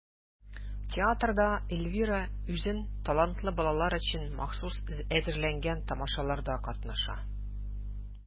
Театрда Эльвира үзен талантлы балалар өчен махсус әзерләнгән тамашаларда катнаша.